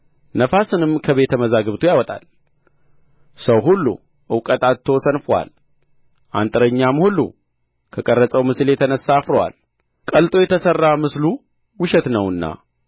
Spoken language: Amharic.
ነፋስንም ከቤተ መዛግብቱ ያወጣል ሰው ሁሉ እውቀት አጥቶ ሰንፎአል አንጥረኛም ሁሉ ከቀረጸው ምስል የተነሣ አፍሮአል ቀልጦ የተሠራ ምስሉ ውሸት ነውና